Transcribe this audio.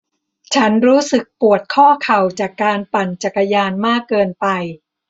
ฉันรู้สึกปวดข้อเข่าจากการปั่นจักรยานมากเกินไป